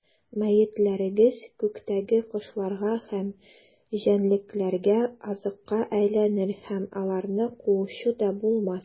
Мәетләрегез күктәге кошларга һәм җәнлекләргә азыкка әйләнер, һәм аларны куучы да булмас.